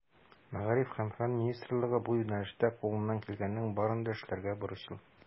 Мәгариф һәм фән министрлыгы бу юнәлештә кулыннан килгәннең барын да эшләргә бурычлы.